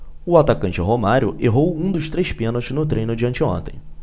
o atacante romário errou um dos três pênaltis no treino de anteontem